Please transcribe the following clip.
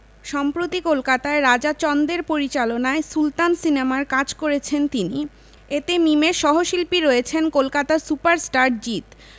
সম্প্রতি কলকাতায় রাজা চন্দের পরিচালনায় সুলতান সিনেমার কাজ করেছেন তিনি এতে মিমের সহশিল্পী রয়েছেন কলকাতার সুপারস্টার জিৎ